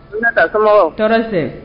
Minata somɔgɔw, tɔɔrɔ si tɛ